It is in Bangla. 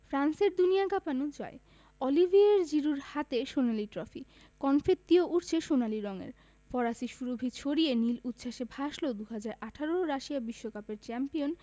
ফ্রান্সের দুনিয়া কাঁপানো জয় অলিভিয়ের জিরুর হাতে সোনালি ট্রফি কনফেত্তিও উড়ছে সোনালি রঙের ফরাসি সুরভি ছড়িয়ে নীল উচ্ছ্বাসে ভাসল ২০১৮ রাশিয়া বিশ্বকাপের চ্যাম্পিয়ন